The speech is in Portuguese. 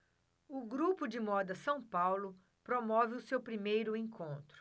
o grupo de moda são paulo promove o seu primeiro encontro